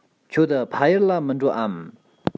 ཁྱོད ཕ ཡུལ ལ མི འགྲོ འམ